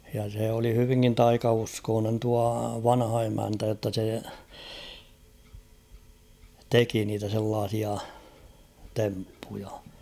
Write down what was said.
ja se oli hyvinkin taikauskoinen tuo vanha emäntä jotta se teki niitä sellaisia temppuja